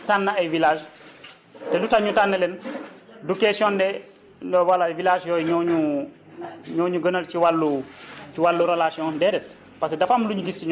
yàlla def na tamit ñu tànn ay villages te lu tax ñu tànn leen du question ne ne voilà village yooyu ñooñu ñooñu gënal ci wàllu ci wàllu relation déedéet